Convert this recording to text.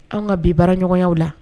An ka bi baaraɲɔgɔnyaw la